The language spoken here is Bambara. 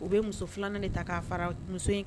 U bɛ muso filanan de ta'a fara muso in